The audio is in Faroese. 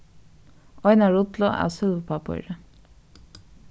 eina rullu av silvurpappíri